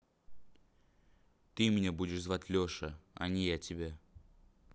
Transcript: ты меня будешь звать леша а не я тебя